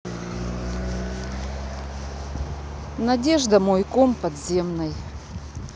надежда мой ком подземной